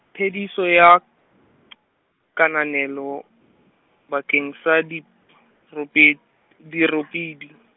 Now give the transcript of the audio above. phediso ya , kananelo bakeng sa di , dirope-, di -ropidi.